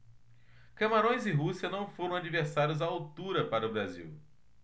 camarões e rússia não foram adversários à altura para o brasil